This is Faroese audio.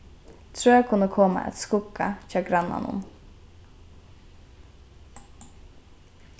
trø kunnu koma at skugga hjá grannanum